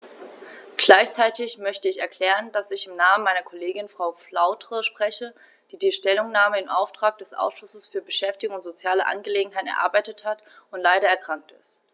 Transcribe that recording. Gleichzeitig möchte ich erklären, dass ich im Namen meiner Kollegin Frau Flautre spreche, die die Stellungnahme im Auftrag des Ausschusses für Beschäftigung und soziale Angelegenheiten erarbeitet hat und leider erkrankt ist.